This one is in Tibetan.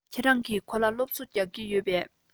ཁྱེད རང གིས ཁོ ལ སློབ གསོ རྒྱག གི ཡོད པས